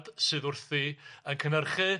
...sydd wrthi yn cynyrchu.